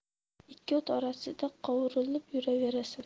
ikki o't orasida qovurilib yuraverasan